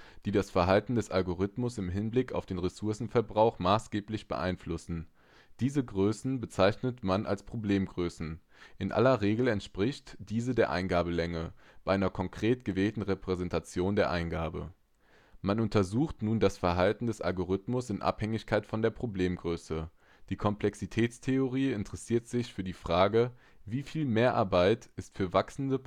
die das Verhalten des Algorithmus im Hinblick auf den Ressourcenverbrauch maßgeblich beeinflussen. Diese Größen bezeichnet man als die Problemgröße. In aller Regel entspricht diese der Eingabelänge (bei einer konkret gewählten Repräsentation der Eingabe). Man untersucht nun das Verhalten des Algorithmus in Abhängigkeit von der Problemgröße. Die Komplexitätstheorie interessiert sich für die Frage: Wie viel Mehrarbeit ist für wachsende